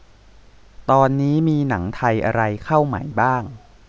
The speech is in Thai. ตอนนี้มีหนังไทยอะไรเข้าใหม่บ้าง